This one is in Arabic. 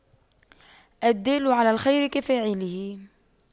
الدال على الخير كفاعله